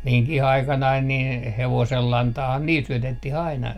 minunkin aikanani niin hevosenlantaahan niille - syötettiin aina